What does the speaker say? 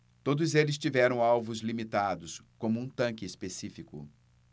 todos eles tiveram alvos limitados como um tanque específico